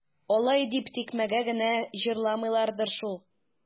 Алай дип тикмәгә генә җырламыйлардыр шул.